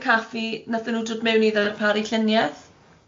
y caffi wnaethon nhw dod mewn i ddarparu llunieth?